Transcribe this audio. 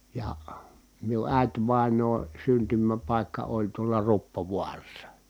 ja minun äitivainajan syntymäpaikka oli tuolla Ruppovaarassa